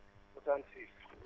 66